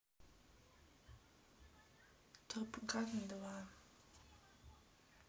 топ ган два